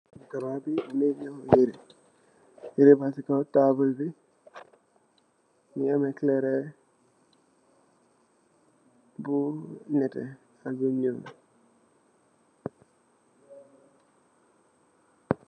Grand bii mungeh njaw yehreh, yehreh bang cii taabul bii mungy ameh coulehreh bu nehteh ak lu njull.